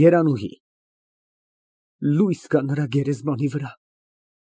ԵՐԱՆՈՒՀԻ ֊ Լույս գա նրա գերեզմանի վրա։